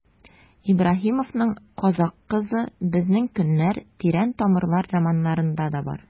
Ибраһимовның «Казакъ кызы», «Безнең көннәр», «Тирән тамырлар» романнарында да бар.